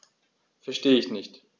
Verstehe nicht.